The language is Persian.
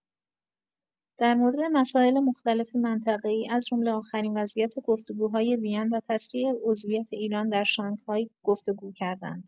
درمورد مسائل مختلف منطقه‌ای، ازجمله آخرین وضعیت گفت‌وگوهای وین و تسریع عضویت ایران در شانگهای گفت‌وگو کردند.